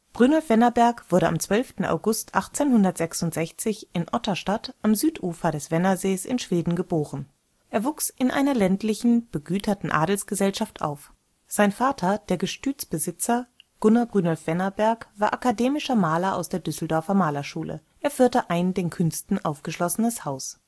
Brynolf Wennerberg wurde am 12. August 1866 in Otterstad am Südufer des Vänersees geboren. Er wuchs in einer ländlichen, begüterten Adelsgesellschaft auf. Sein Vater, der Gestütsbesitzer Gunnar Brynolf Wennerberg (1823 – 1894), war akademischer Maler aus der Düsseldorfer Malerschule. Er führte ein den Künsten aufgeschlossenes Haus